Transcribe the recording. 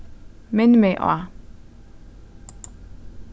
minn meg á